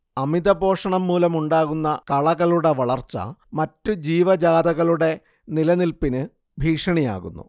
അമിതപോഷണം മൂലമുണ്ടാകുന്ന കളകളുടെ വളർച്ച മറ്റു ജീവജാതകളുടെ നിലനില്‍പ്പിന് ഭീഷണിയാകുന്നു